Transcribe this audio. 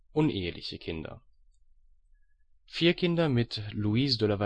Uneheliche Kinder: Vier Kinder mit Louise